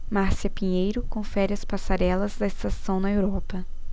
márcia pinheiro confere as passarelas da estação na europa